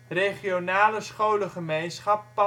Regionale Scholengemeenschap